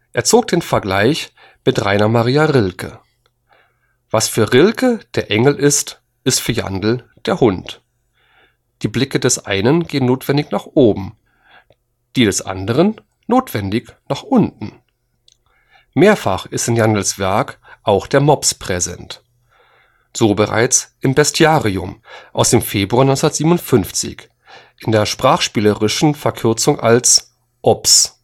Er zog den Vergleich mit Rainer Maria Rilke: „ Was für Rilke der Engel ist, ist für Jandl der Hund. Die Blicke des einen gehen notwendig nach oben, die des anderen notwendig nach unten. “Mehrfach ist in Jandls Werk auch der Mops präsent, so bereits im bestiarium aus dem Februar 1957 in sprachspielerischer Verkürzung als „ ops